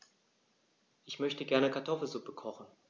Ich möchte gerne Kartoffelsuppe kochen.